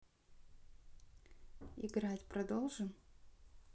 играть продолжим